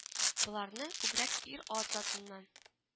Боларны күбрәк ир-ат затыннан